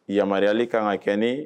Yamaruyali kan ka kɛ ne